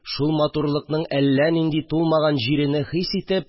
Шул матурлыкның әллә нинди тулмаган җирене хис итеп